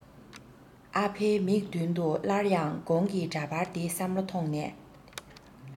ཨ ཕའི མིག མདུན དུ སླར ཡང གོང གི འདྲ པར དེ བསམ བློ ཐོངས ནས